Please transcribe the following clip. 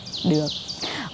được